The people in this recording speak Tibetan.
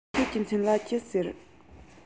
ཁྱེད ཀྱི མཚན ལ ཅི ཟེར